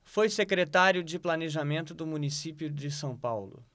foi secretário de planejamento do município de são paulo